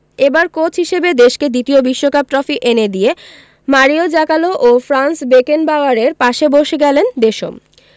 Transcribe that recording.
এবার কোচ হিসেবে দেশকে দ্বিতীয় বিশ্বকাপ ট্রফি এনে দিয়ে মারিও জাগালো ও ফ্রাঞ্জ বেকেনবাওয়ারের পাশে বসে গেলেন দেশম